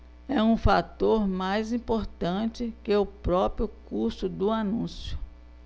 é um fator mais importante que o próprio custo do anúncio